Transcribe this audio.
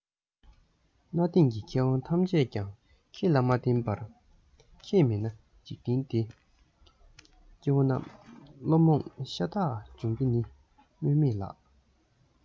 གནའ དེང གི མཁས དབང ཐམས ཅད ཀྱང ཁྱེད ལ མ བསྟེན པར ཁྱེད མེད ན འཇིག རྟེན འདི སྐྱེ བོ རྣམས བློ རྨོངས ཤ སྟག འབྱུང རྒྱུ ནི སྨོས མེད ལགས